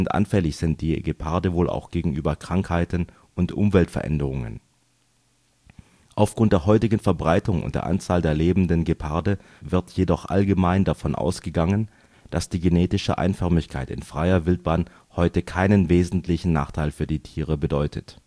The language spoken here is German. anfällig sind die Geparde wohl auch gegenüber Krankheiten und Umweltveränderungen. Aufgrund der heutigen Verbreitung und der Anzahl der lebenden Geparde wird jedoch allgemein davon ausgegangen, dass die genetische Einförmigkeit in freier Wildbahn heute keinen wesentlichen Nachteil für die Tiere bedeutet